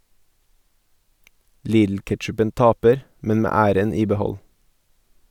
Lidl-ketchupen taper, men med æren i behold.